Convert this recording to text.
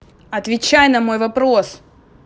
отвечай на мой вопрос